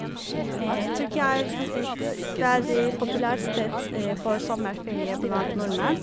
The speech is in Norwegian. Tyrkia er et veldig populært sted for sommerferie blant nordmenn.